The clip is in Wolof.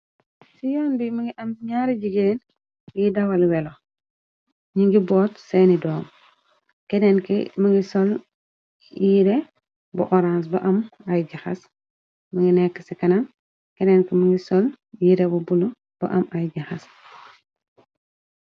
Ci yoon bi mingi am ñaari jigeen yiy dawal welo ñi ngi boot seeni doom kenneen ki mi ngi sol yiire bu orange ba, Am ay i xas mi ngi nekk ci kanam kenneen ki mi ngi sol yiire bu bulu bu am ay ji xas.